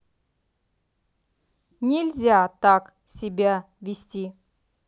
нельзя так себя вести